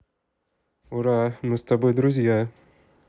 ура мы с тобой друзья